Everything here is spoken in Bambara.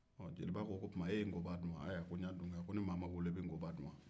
ɔ jeliba ko k'o tuma e ye ngɔba wa ɛ ko n y'a dun kɛ ko ni maa ma wolo i bɛ ngɔba dun wa